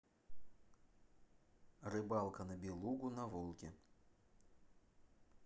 рыбалка на белугу на волге